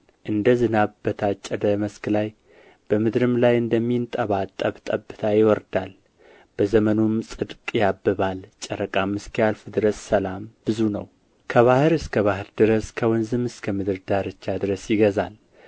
እንደ ዝናብ በታጨደ መስክ ላይ በምድርም ላይ እንደሚንጠባጠብ ጠብታ ይወርዳል በዘመኑም ጽድቅ ያብባል ጨረቃም እስኪያልፍ ድረስ ሰላም ብዙ ነው ከባሕር እስከ ባሕር ድረስ ከወንዝም እስከ ምድር ዳርቻ ድረስ ይገዛል